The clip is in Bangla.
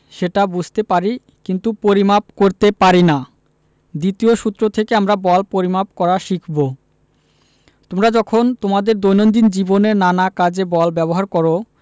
সেটা বুঝতে পারি কিন্তু পরিমাপ করতে পারি না দ্বিতীয় সূত্র থেকে আমরা বল পরিমাপ করা শিখব তোমরা যখন তোমাদের দৈনন্দিন জীবনে নানা কাজে বল ব্যবহার করো